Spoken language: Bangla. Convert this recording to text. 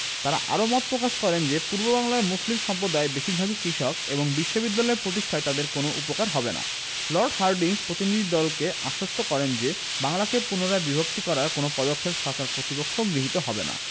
তাঁরা আরও মত প্রকাশ করেন যে পূর্ববাংলার মুসলিম সম্প্রদায় বেশির ভাগই কৃষক এবং বিশ্ববিদ্যালয় প্রতিষ্ঠায় তাদের কোনো উপকার হবে না লর্ড হার্ডিঞ্জ প্রতিনিধিদলকে আশ্বস্ত করেন যে বাংলাকে পুনরায় বিভক্ত করার কোনো পদক্ষেপ সরকার কর্তৃক গৃহীত হবে না